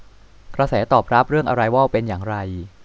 กระแสตอบรับเรื่องอะไรวอลเป็นอย่างไร